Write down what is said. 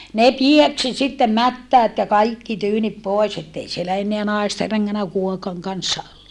ne pieksi sitten mättäät ja kaikki tyynni pois että ei siellä enää naisten rengännyt kuokan kanssa